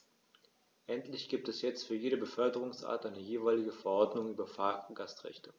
Endlich gibt es jetzt für jede Beförderungsart eine jeweilige Verordnung über Fahrgastrechte.